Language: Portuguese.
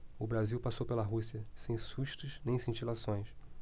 o brasil passou pela rússia sem sustos nem cintilações